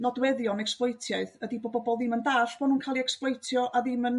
nodweddion esbloethiaeth ydi bo' bobol ddim yn dalld bo' n'w'n ca'l i ecsbloetio a ddim yn